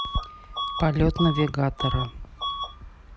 полет навигатора